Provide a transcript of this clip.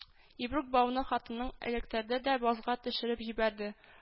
Ибрук бауны хатының эләктерде дә базга төшереп җибәрде